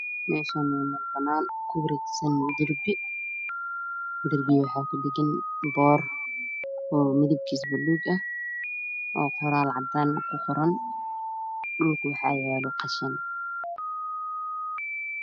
Meeshaan waa meel banaan ku wareegsan darbi darbiga waxaa ku dhagan boor oo midabkiisa baluug eh oo qoraal cadaan ah ku qoran dhulka waxaa yaalo qashin